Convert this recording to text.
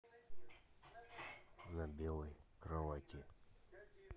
на белой кровати